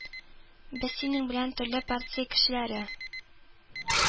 Без синең белән төрле партия кешеләре